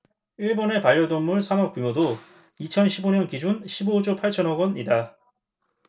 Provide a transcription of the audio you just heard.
일본의 반려동물 산업 규모도 이천 십 오 년 기준 십 오 조 팔천 억 원이다